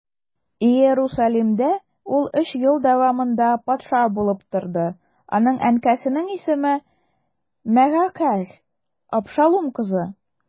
Иерусалимдә ул өч ел дәвамында патша булып торды, аның әнкәсенең исеме Мәгакәһ, Абшалум кызы.